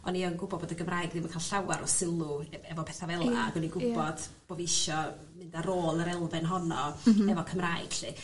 o'n i yn gwbod bod y Gymraeg ddim yn ca'l llawar o sylw e- efo petha fel 'a... Ie ie. ...'dyn ni'n gwbod bod isio mynd ar ôl yr elfen honno... M-hm. ...efo Cymraeg 'lly.